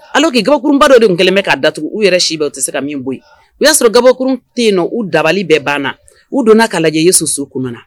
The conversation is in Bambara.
Ala k kai g gakkurubadɔ de kɛlɛmɛ k'a datugu u yɛrɛ sibaw u tɛ se ka min bɔ o y'a sɔrɔ kababɔkkuru tɛ yen na u dabalili bɛɛ banna u donna ka lajɛ ye susuuruk na